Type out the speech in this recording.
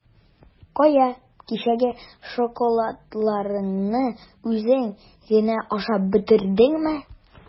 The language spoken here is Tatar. Кая, кичәге шоколадларыңны үзең генә ашап бетердеңме?